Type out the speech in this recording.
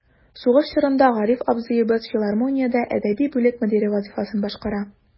Сугыш чорында Гариф абзыебыз филармониядә әдәби бүлек мөдире вазыйфасын башкара.